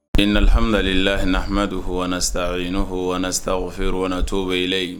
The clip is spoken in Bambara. Inalhamli lahi inahamdu uu wana istahinun uu wana istafiru wana tubi i layi